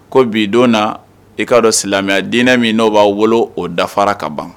Ko bi don na i k'a dɔn silamɛya diinɛ min n'o b'a wolo o dafara ka ban